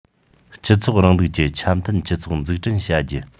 སྤྱི ཚོགས རིང ལུགས ཀྱི འཆམ མཐུན སྤྱི ཚོགས འཛུགས སྐྲུན བྱ རྒྱུ